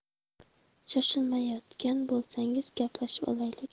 shoshilmayotgan bo'lsangiz gaplashib olaylik